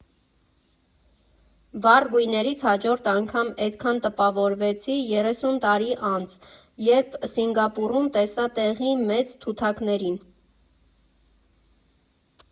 Վառ գույներից հաջորդ անգամ էդքան տպավորվեցի երեսուն տարի անց, երբ Սինգապուրում տեսա տեղի մեծ թութակներին։